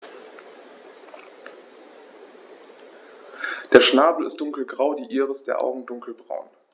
Der Schnabel ist dunkelgrau, die Iris der Augen dunkelbraun.